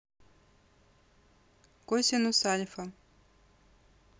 косинус альфа